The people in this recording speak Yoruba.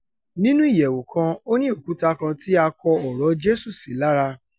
Nínú ìyẹ̀wù kan, ó ní òkúta kan tí a kọ ọ̀rọ̀ọ Jésù sí lára.